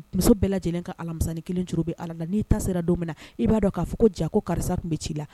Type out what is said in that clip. Muso bɛɛ lajɛlen ka alaminin kelen tu bɛ ala la n'i ta sera don min na i b'a dɔn k'a fɔ ko ja ko karisa tun bɛ ci la